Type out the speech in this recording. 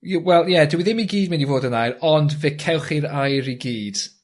I- wel ie dyw e ddim i gyd mynd i fod yn aur ond fe cewch chi'r aur i gyd.